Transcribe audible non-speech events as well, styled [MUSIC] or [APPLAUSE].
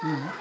[HESITATION] [HESITATION]